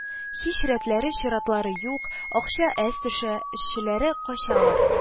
Һич рәтләре-чиратлары юк, акча әз төшә, эшчеләре качалар